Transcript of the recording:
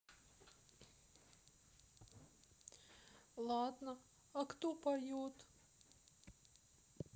ладно а кто поет